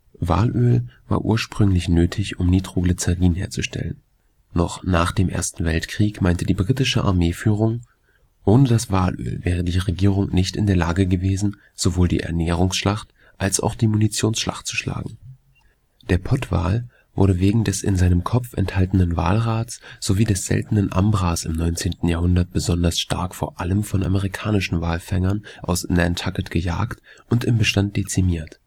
Walöl war ursprünglich nötig, um Nitroglycerin herzustellen. Noch nach dem Ersten Weltkrieg meinte die britische Armeeführung: „ Ohne das Walöl wäre die Regierung nicht in der Lage gewesen, sowohl die Ernährungsschlacht als auch die Munitionsschlacht zu schlagen. “Walfang im 18. Jahrhundert; Illustration zu einem Reisebericht über James Cooks Fahrten Der Pottwal wurde wegen des in seinem Kopf enthaltenen Walrats sowie des seltenen Ambras im 19. Jahrhundert besonders stark vor allem von amerikanischen Walfängern aus Nantucket gejagt und im Bestand dezimiert